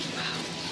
Waw.